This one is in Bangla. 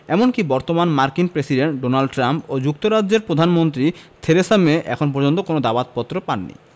এমনকি বর্তমান মার্কিন প্রেসিডেন্ট ডোনাল্ড ট্রাম্প ও যুক্তরাজ্যের প্রধানমন্ত্রী থেরেসা মে এখন পর্যন্ত কোনো দাওয়াতপত্র পাননি